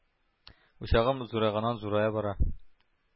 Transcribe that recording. Учагым зурайганнан-зурая бара.